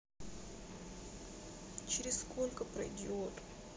через сколько пройдет